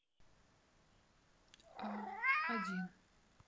а один